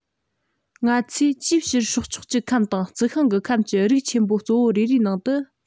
ང ཚོས ཅིའི ཕྱིར སྲོག ཆགས ཀྱི ཁམས དང རྩི ཤིང གི ཁམས ཀྱི རིགས ཆེན པོ གཙོ བོ རེ རེའི ནང དུ